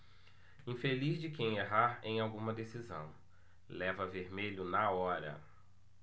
infeliz de quem errar em alguma decisão leva vermelho na hora